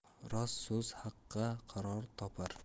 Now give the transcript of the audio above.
rost so'z haqqa qaror topar